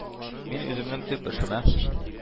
Мин үземнең төп эшемә,